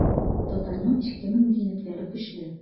Татарның эчке мөмкинлекләре көчле.